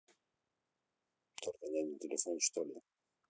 только на один телефон что ли